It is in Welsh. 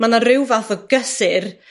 Ma' 'na ryw fath o gysur